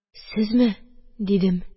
– сезме? – дидем.